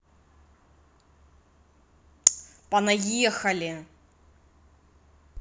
понаехали